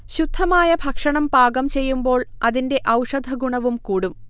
ശുദ്ധമായ ഭക്ഷണം പാകം ചെയ്യുമ്പോൾ അതിന്റെ ഔഷധഗുണവും കൂടും